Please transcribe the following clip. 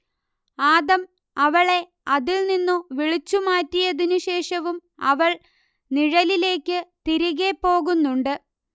ആദം അവളെ അതിൽ നിന്നു വിളിച്ചു മാറ്റിയതിനു ശേഷവും അവൾ നിഴലിലേയ്ക്ക് തിരികേ പോകുന്നുണ്ട്